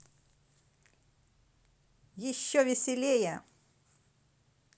еще веселее